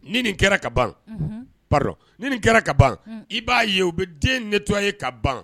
Ni nin kɛra ka ban pa ni nin kɛra ka ban i b'a ye u bɛ den netɔ ye ka ban